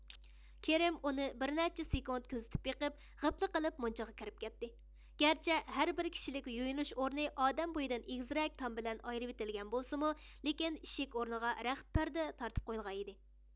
كېرىم ئۇنى بىرنەچچە سېكۇنت كۆزىتىپ بېقىپ غىپلا قىلىپ مۇنچىغا كىرىپ كەتتى گەرچە ھەربىر كىشىلىك يۇيۇنۇش ئورنى ئادەم بويىدىن ئېگىزرەك تام بىلەن ئايرىۋىتىلگەن بولسىمۇ لېكىن ئىشىك ئورنىغا رەخت پەردە تارتىپ قويۇلغان ئىدى